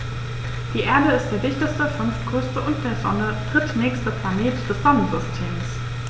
Die Erde ist der dichteste, fünftgrößte und der Sonne drittnächste Planet des Sonnensystems.